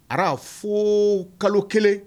A' fo kalo kelen